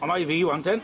Hwnna i fi ŵan ten.